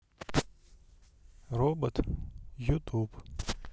робот ютуб